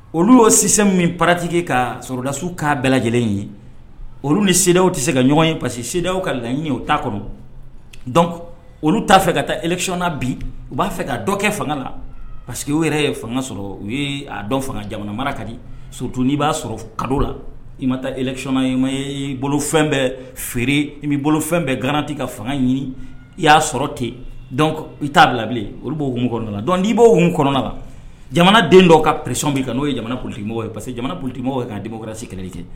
Olu' sisan min pati ka sɔrɔdasiw'a bɛɛ lajɛlen in ye olu ni sew tɛ se ka ɲɔgɔn ye pa que sedaw ka laɲini u t' kɔnɔ dɔn olu t'a fɛ ka taa escɔnna bi u b'a fɛ ka dɔ kɛ fanga la pa parce que o yɛrɛ ye fanga sɔrɔ u ye dɔn fanga jamana mara ka di sot n'i b'a sɔrɔ ka la i ma taasɔn i ma i bolo fɛn bɛɛ feere i' bolo fɛn bɛɛ garanti ka fanga ɲini i y'a sɔrɔ ten i t'a la olu b'ouumu kɔnɔna dɔn' b'o mun kɔnɔna la jamana den dɔw ka presiɔn min kan n'o jamana kulukimɔgɔ ye pa que jamana pkimɔgɔ ka denkɔrɔ si kɛlɛli tɛ